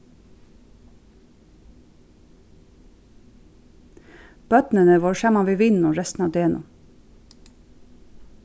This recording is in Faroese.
børnini vóru saman við vinunum restina av degnum